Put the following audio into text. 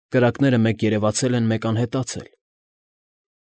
Կրակները մեկ երևացել են, մեկ անհետացել։